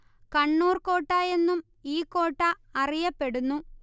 കണ്ണൂർ കോട്ട എന്നും ഈ കോട്ട അറിയപ്പെടുന്നു